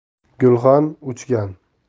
gulxan o'chgan